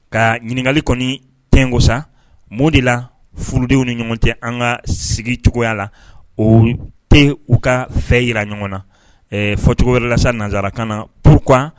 Ka ɲininkali kɔni tɛnku sa mun de la furudenw ni ɲɔgɔn cɛ an ka sigi cogoya la u tɛ u ka fɛ jira ɲɔgɔn na, ɛ fɔcogo wɛrɛ la nansarakan na pouquoi